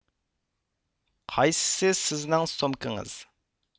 قايسىسى سىزنىڭ سومكىڭىز